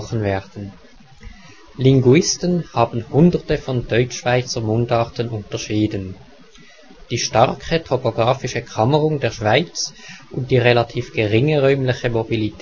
werden. Linguisten haben hunderte von Deutschschweizer Mundarten unterschieden. Die starke topographische Kammerung der Schweiz und die relativ geringe räumliche Mobilität